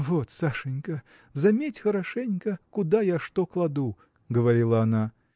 – Вот, Сашенька, заметь хорошенько, куда я что кладу, – говорила она.